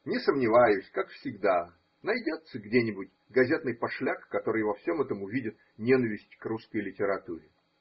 Не сомневаюсь: как всегда, найдется где-нибудь газетный пошляк, который во всем этом увидит ненависть к русской литературе.